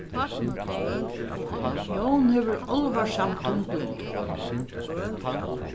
jón hevur álvarsamt tunglyndi